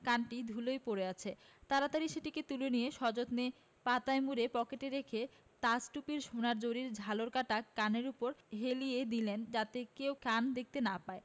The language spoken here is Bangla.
কানটি ধূলায় পড়ে আছে তাড়াতাড়ি সেটিকে তুলে নিয়ে সযত্নে পাতায় মুড়ে পকেটে রেখে তাজ টুপির সোনার জরির ঝালর কাটা কানের উপর হেলিয়ে দিলেন যাতে কেউ কান দেখতে না পায়